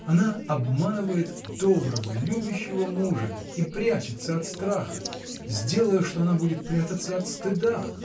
Она обманывает доброго, любящего мужа и прячется от страха: сделаю, что она будет прятаться от стыда.